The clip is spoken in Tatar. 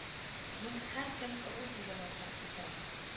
— мин һәр көн руди янында утырам